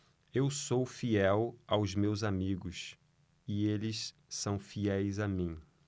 eu sou fiel aos meus amigos e eles são fiéis a mim